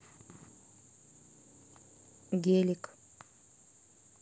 гелик